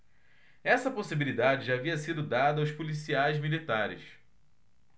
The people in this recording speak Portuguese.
essa possibilidade já havia sido dada aos policiais militares